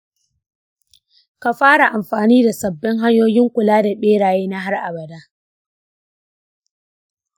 ka fara amfani da sabbin hanyoyin kula da beraye na har abada.